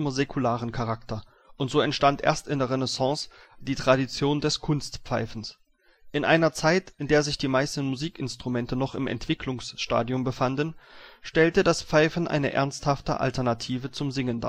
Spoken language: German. säkularen Charakter, und so entstand erst in der Renaissance die Tradition des Kunstpfeifens. In einer Zeit, in der sich die meisten Musikinstrumente noch im Entwicklungsstadium befanden, stellte das Pfeifen eine ernsthafte Alternative zum Singen